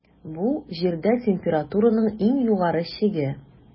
Бу - Җирдә температураның иң югары чиге.